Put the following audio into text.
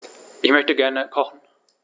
Ich möchte gerne kochen.